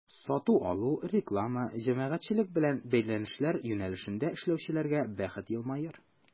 Сату-алу, реклама, җәмәгатьчелек белән бәйләнешләр юнәлешендә эшләүчеләргә бәхет елмаер.